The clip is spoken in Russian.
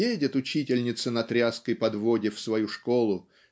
едет учительница на тряской подводе в свою школу